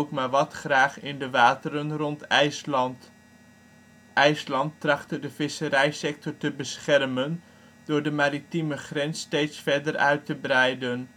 maar wat graag in de wateren rond IJsland. IJsland trachtte de visserijsector te beschermen door de maritieme grens steeds verder uit te breiden